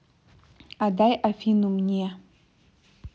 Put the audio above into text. а дай афину мне